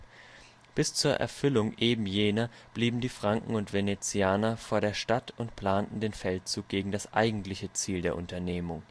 zur Erfüllung eben jener blieben die Franken und Venezianer vor der Stadt und planten den Feldzug gegen das eigentlich Ziel der Unternehmung